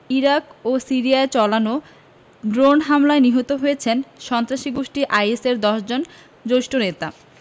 Iraq ও সিরিয়ায় চলানো ড্রোন হামলায় নিহত হয়েছেন সন্ত্রাসী গোষ্ঠী আইএসের ১০ জন জ্যেষ্ঠ নেতা